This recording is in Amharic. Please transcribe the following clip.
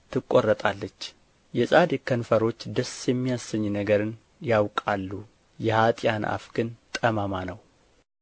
ትቈረጣለች የጻድቅ ከንፈሮች ደስ የሚያሰኝ ነገርን ያውቃሉ የኀጥኣን አፍ ግን ጠማማ ነው